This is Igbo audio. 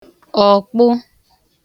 ọ̀kpụ